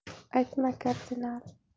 aytma kardinal